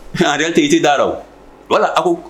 Tigi tɛ da la wala a ko